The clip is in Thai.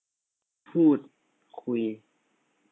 พูดคุย